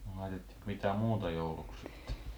no laitettiinko mitä muuta jouluksi sitten